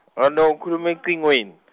no ngikhuluma ocingweni .